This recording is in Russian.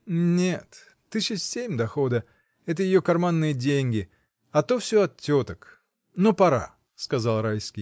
— Нет, тысяч семь дохода; это ее карманные деньги. А то всё от теток. Но пора! — сказал Райский.